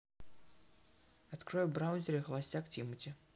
открой в браузере холостяк тимати